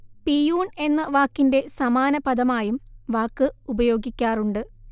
peon എന്ന വാക്കിന്റെ സമാന പദമായും വാക്ക് ഉപയോഗിക്കാറുണ്ട്